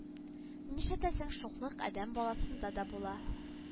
Нишләтәсең шуклык адәм баласында да була